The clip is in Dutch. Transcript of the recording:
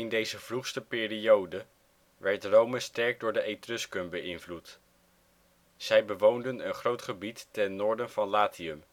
deze vroegste periode werd Rome sterk door de Etrusken beïnvloed. Zij bewoonden een groot gebied ten noorden van Latium